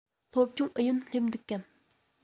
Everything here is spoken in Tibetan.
སློབ སྦྱོང ཨུ ཡོན སླེབས འདུག གམ